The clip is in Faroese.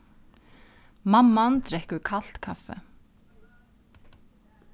mamman drekkur kalt kaffi